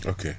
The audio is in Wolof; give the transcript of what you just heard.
ok